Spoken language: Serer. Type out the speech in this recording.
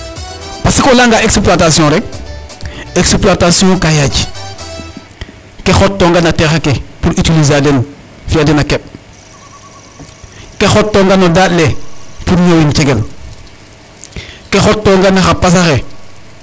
Parce que o layanga exploitation rek exploitation ka yaaj ke xotonga na teex ake pour utiliser a den fi' a den a keƥ ke xotoona no daaƭ le pour ñoowin cegel ke xotoona na xa pas axe .